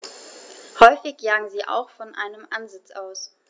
Häufig jagen sie auch von einem Ansitz aus.